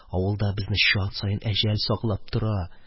Авылда безне чат саен әҗәл саклап тора.